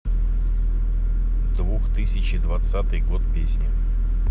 двух тысячи двадцатый год песни